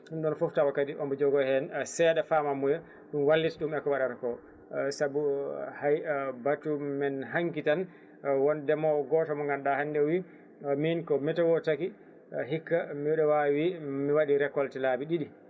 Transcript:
ɗum ɗon foof tawa kadi omo jogo hen seeɗa famamuya wallita ɗum eko waɗata ko saabu hay baatu men hankki tan won ndeemowo goto ùo ganduɗa hande o wii mon ko météo taaki hikka mbiɗa wawi mi waɗi récolté laabi ɗiɗi